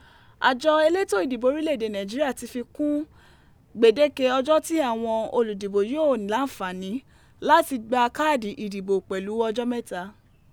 Ajọ eleto idibo orile ede Nàìjíríà ti fi kun gbedeke ọjọ ti awọn oludibo yoo láǹfààni lati gba kaadi idibo pẹlu ọjọ mẹta.